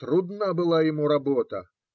Трудна была ему работа